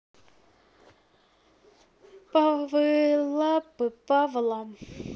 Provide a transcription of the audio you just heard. павла ляпы павла